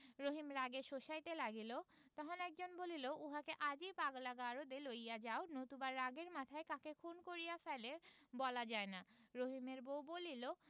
রহিম রাগে শোষাইতে লাগিল তখন একজন বলিল উহাকে আজই পাগলা গারদে লইয়া যাও নতুবা রাগের মাথায় কাকে খুন করিয়া ফেলে বলা যায় না রহিমের বউ বলিল